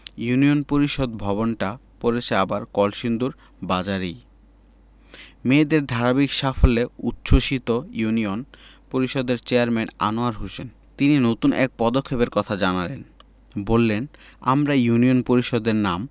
union পরিষদ ভবনটা পড়েছে আবার কলসিন্দুর বাজারেই মেয়েদের ধারাবাহিক সাফল্যে উচ্ছ্বসিত ইউনিয়ন পরিষদের চেয়ারম্যান আনোয়ার হোসেন তিনি নতুন এক পদক্ষেপের কথা জানালেন বললেন আমরা ইউনিয়ন পরিষদের নাম